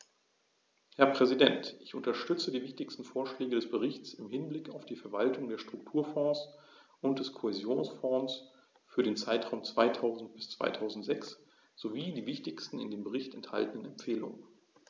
Herr Präsident, ich unterstütze die wichtigsten Vorschläge des Berichts im Hinblick auf die Verwaltung der Strukturfonds und des Kohäsionsfonds für den Zeitraum 2000-2006 sowie die wichtigsten in dem Bericht enthaltenen Empfehlungen.